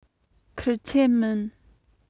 ཁེར ཆད མིན